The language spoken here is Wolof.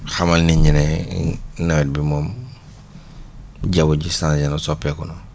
xamal nit ñi ne nawet bi moom jaww ji changé na soppeeku na